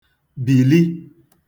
bìli